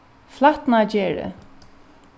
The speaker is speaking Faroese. flatnagerði